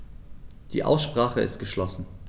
Die Aussprache ist geschlossen.